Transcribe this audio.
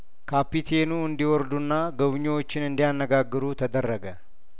ካፒቴኑ እንዲወርዱና ጐቢኚዎችን እንዲያነጋግሩ ተደረገ